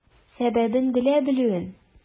Сәбәбен белә белүен.